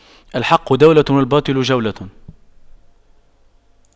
الحق دولة والباطل جولة